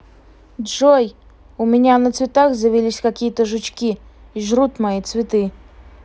джой у меня на цветах завелись какие то жучки и жрут мои цветы